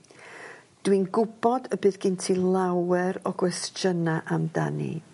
Dwi'n gwbod y bydd gin ti lawer o gwestiyna' amdani.